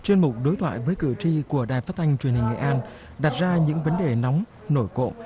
chuyên mục đối thoại với cử tri của đài phát thanh truyền hình nghệ an đặt ra những vấn đề nóng nổi cộm